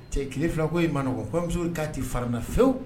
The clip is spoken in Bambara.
Cɛ tile filako in ma nɔgɔn kɔɲɔmuso k'a tɛ faranan fewu